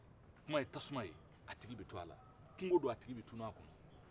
kuman ye tasuman ye a tigi bɛ to la kunko de do a tigi bɛ tunun a kɔnɔ